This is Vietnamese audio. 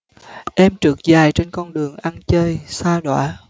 em trượt dài trên con đường ăn chơi sa đọa